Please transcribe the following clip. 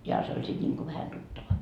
johan se oli sitten niin kuin vähän tuttava